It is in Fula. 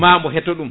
mamo hetto ɗum